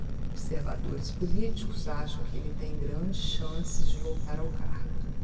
observadores políticos acham que ele tem grandes chances de voltar ao cargo